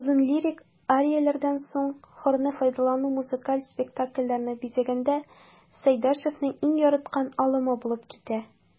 Озын лирик арияләрдән соң хорны файдалану музыкаль спектакльләрне бизәгәндә Сәйдәшевнең иң яраткан алымы булып китә.